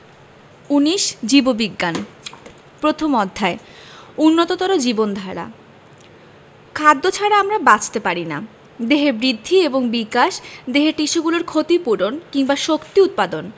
১৯ জীববিজ্ঞান প্রথম অধ্যায় উন্নততর জীবনধারা খাদ্য ছাড়া আমরা বাঁচতে পারি না দেহের বৃদ্ধি এবং বিকাশ দেহের টিস্যুগুলোর ক্ষতি পূরণ কিংবা শক্তি উৎপাদন